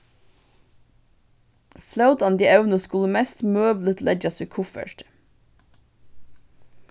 flótandi evnir skulu mest møguligt leggjast í kuffertið